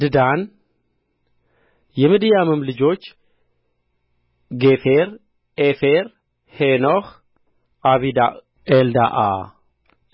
ድዳን የምድያምም ልጆች ጌፌር ዔፌር ሄኖኅ አቢዳዕ ኤልዳዓ